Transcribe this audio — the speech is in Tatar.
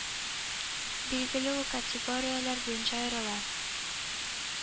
Билгеле, ул категорияләр буенча аерыла